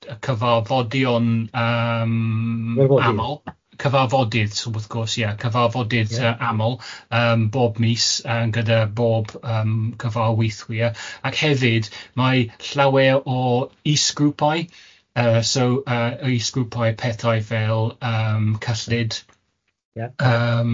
y cyfarfodion yym aml cyfarfodydd so wrth gwrs ia cyfarfodydd yy aml yym bob mis yy gyda bob yym cyfarweithwyr ac hefyd mae llawer o is-grwpau yy so yy is-grwpau pethau fel yym cyllid... Ia. ...yym,